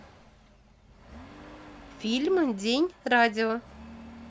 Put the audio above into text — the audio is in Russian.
фильм день радио